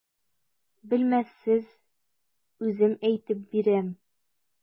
Белмәссез, үзем әйтеп бирәм.